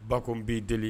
Ba ko n b'i deli